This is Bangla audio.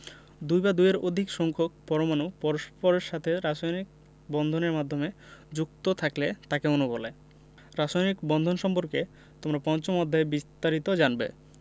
দুই বা দুইয়ের অধিক সংখ্যক পরমাণু পরস্পরের সাথে রাসায়নিক বন্ধন এর মাধ্যমে যুক্ত থাকলে তাকে অণু বলে রাসায়নিক বন্ধন সম্পর্কে তোমরা পঞ্চম অধ্যায়ে বিস্তারিত জানবে